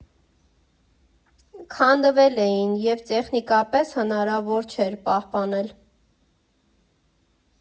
Քանդվել էին և տեխնիկապես հնարավոր չէր պահպանել։